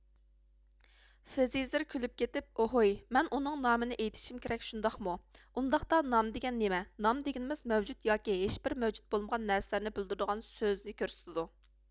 فىزېيزېر كۈلۈپ كېتىپ ئوھۇي مەن ئۇنىڭ نامىنى ئېيتىشىم كېرەك شۇنداقمۇ ئۇنداقتا نام دېگەن نېمە نام دېگىنىمىز مەۋجۇت ياكى ھىچبىر مەۋجۇت بولمىغان نەرسىلەرنى بىلدۈرىدىغان سۆزنى كۆرسىتىدۇ